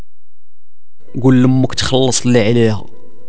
قول لامك تخلص اللي عليهم